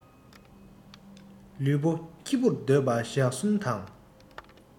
ལུས པོ སྐྱིད པོར སྡོད པ ཞག གསུམ དང